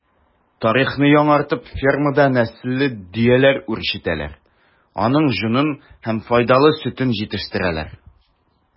Тарихны яңартып фермада нәселле дөяләр үчретәләр, аның йонын һәм файдалы сөтен җитештерәләр.